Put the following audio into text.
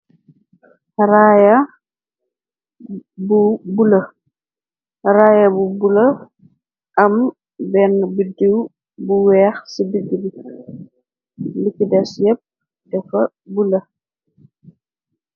Raaya bu bula, raaya bu bula am benne bidiw bu weex si digg bi, lu si des yapp dafa bula.